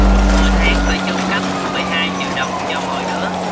mỗi tháng phải chu cấp một phẩy hai triệu đồng cho mỗi đứa